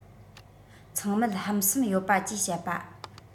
ཚང མལ ཧམ སེམས ཡོད པ ཅེས བཤད པ